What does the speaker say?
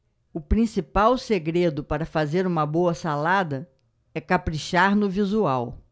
o principal segredo para fazer uma boa salada é caprichar no visual